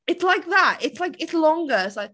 It's like that it's like it's longer it's like...